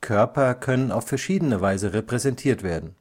Körper können auf verschiedene Weise repräsentiert werden;